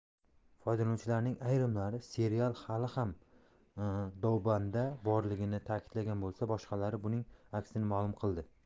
foydalanuvchilarning ayrimlari serial hali ham douban'da borligini ta'kidlagan bo'lsa boshqalari buning aksini ma'lum qildi